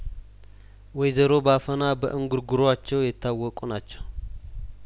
ወይዘሮ ባፈና በእንጉርጉሯቸው የታወቁ ናቸው